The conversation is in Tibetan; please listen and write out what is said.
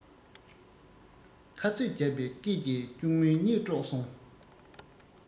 ཁ རྩོད བརྒྱབ པའི སྐད ཀྱིས གཅུང མོའི གཉིད དཀྲོགས སོང